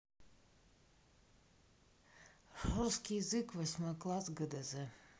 русский язык восьмой класс гдз